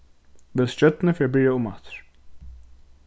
vel stjørnu fyri at byrja umaftur